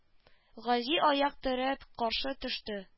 Гази аяк терәп каршы төште